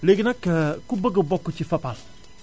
léegi nag ku bëgg a bokk ci Fapal